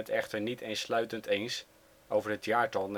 echter niet eensluidend eens over het jaartal